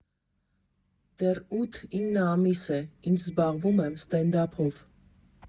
Դեռ ութ֊ինը ամիս է, ինչ զբաղվում եմ ստենդափով։